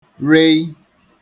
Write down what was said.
reì